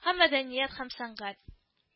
Һәм “мәдәният һәм сәнгать”